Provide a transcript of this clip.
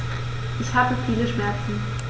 Ich habe viele Schmerzen.